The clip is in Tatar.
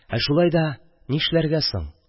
Ә шулай да нишләргә соң?